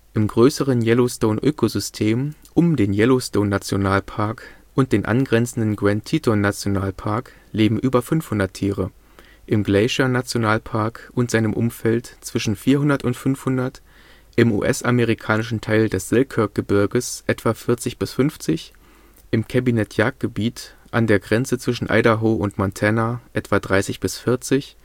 Größeren Yellowstone-Ökosystem um den Yellowstone-Nationalpark und den angrenzenden Grand-Teton-Nationalpark leben über 500 Tiere, im Glacier-Nationalpark und seinem Umfeld zwischen 400 und 500, im US-amerikanischen Teil des Selkirkgebirges etwa 40 – 50, im Cabinet-Yaak-Gebiet an der Grenze zwischen Idaho und Montana etwa 30 – 40